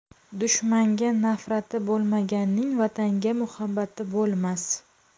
dushmanga nafrati bo'lmaganning vatanga muhabbati bo'lmas